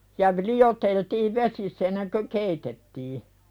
ja - lioteltiin vesissä ennen kuin keitettiin